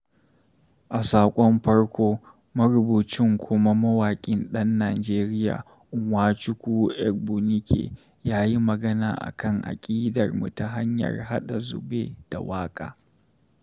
A saƙon na farko, marubucin kuma mawaƙi ɗan Nijeriya, Nwachukwu Egbunike ya yi magana a kan akidar mu ta hanyar haɗa zube da waƙa.